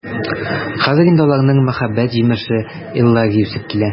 Хәзер инде аларның мәхәббәт җимеше Эллари үсеп килә.